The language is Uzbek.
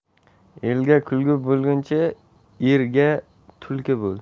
elga kulgu bo'lguncha erga tulki bo'l